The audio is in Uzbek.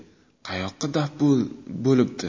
qayoqqa daf bo'libdi